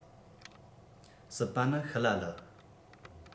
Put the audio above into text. སྲིད པ ནི ཤི ལ ལི